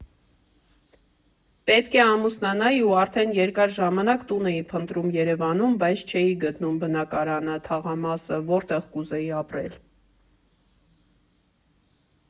Պետք է ամուսնանայի ու արդեն երկար ժամանակ տուն էի փնտրում Երևանում, բայց չէի գտնում բնակարանը, թաղամասը, որտեղ կուզեի ապրել.